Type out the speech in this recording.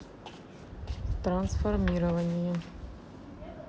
трансформирование